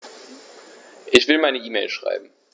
Ich will eine E-Mail schreiben.